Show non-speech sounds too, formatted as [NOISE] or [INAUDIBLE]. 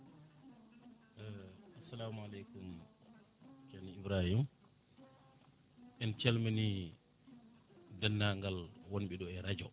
[HESITATION] assalamu aleykum ceerno Ibrahima en calmini dennagal wonɓe ɗo e radio